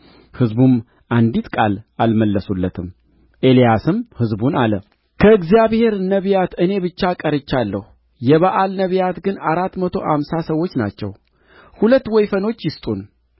ሕዝቡም አንዲት ቃል አልመለሱለትም ኤልያስም ሕዝቡን አለ ከእግዚአብሔር ነቢያት እኔ ብቻ ቀርቻለሁ የበኣል ነቢያት ግን አራት መቶ አምሳ ሰዎች ናቸው ሁለት ወይፈኖች ይሰጡን